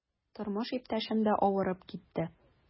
Тормыш иптәшем дә авырып китте.